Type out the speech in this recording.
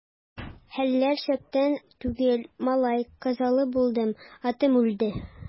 Хәлләр шәптән түгел, малай, казалы булдым, атым үлде.